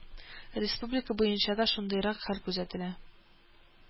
Республика буенча да шундыйрак хәл күзәтелә